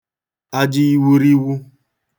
aja iwuriwu